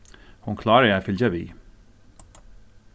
hon kláraði at fylgja við